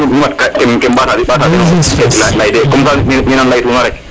nda mi mat kem mbata ten ten etu ley de comme ca nenu leytu rek